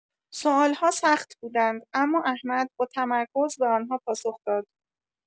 سوال‌ها سخت بودند، اما احمد با تمرکز به آن‌ها پاسخ داد.